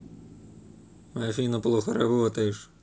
афина плохо работаешь